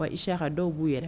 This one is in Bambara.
Wa i s ka dɔw b'u yɛrɛ